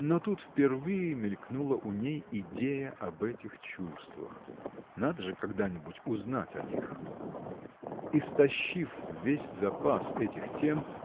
но тут впервые мелькнула у ней идея об этих чувствах. Надо же когда-нибудь узнать о них. Истощив весь запас этих тем